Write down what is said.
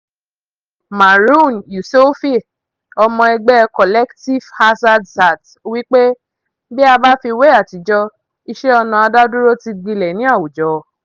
Marouane Youssoufi, ọmọ ẹgbẹ́ Collectif Hardzazat wí pé, "Bí a bá fi wé àtijọ́, iṣẹ́ ọnà adádúró ti gbilẹ̀ ní àwùjọ".